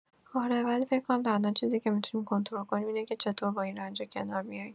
آره، ولی فکر کنم تنها چیزی که می‌تونیم کنترل کنیم، اینه که چطور با این رنجا کنار بیایم.